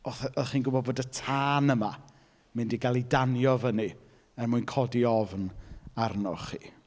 O'ch o'ch chi'n gwybod bod y tân yma yn mynd i gael ei danio fyny, er mwyn codi ofn arnoch chi.